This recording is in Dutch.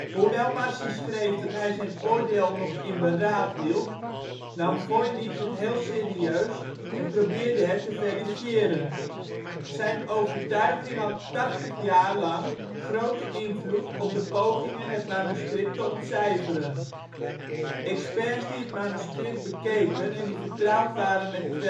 Hoewel Marci schreef dat hij zijn oordeel nog in beraad hield, nam Voynich het heel serieus en probeerde het te verifiëren. Zijn overtuiging had tachtig jaar lang grote invloed op de pogingen het manuscript te ontcijferen. Experts die het manuscript bekeken en die vertrouwd waren met